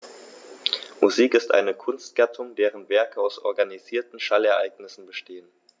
Musik ist eine Kunstgattung, deren Werke aus organisierten Schallereignissen bestehen.